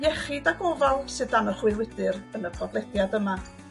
iechyd â gofal sydd dan y chwyddwydyr yn y podlediad yma.